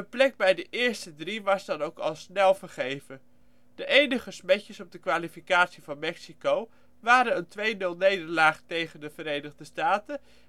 plek bij de eerste drie was dan ook al snel vergeven. De enige smetjes op de kwalificatie van Mexico waren een 2-0 nederlaag tegen de Verenigde Staten